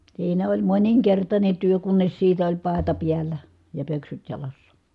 siinä oli moninkertainen työ kunnes siitä oli paeta päällä ja pöksyt jalassa